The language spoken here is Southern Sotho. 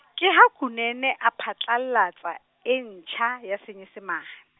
ke ha Kunene a phatlallatsa e ntjha ya Senyesemane.